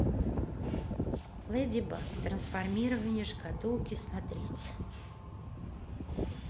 леди баг трансформирование шкатулки смотреть